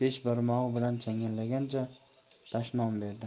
besh barmog'i bilan changallagancha dashnom berdi